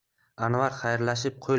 anvar xayrlashib qo'l